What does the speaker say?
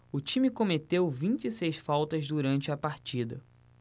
o time cometeu vinte e seis faltas durante a partida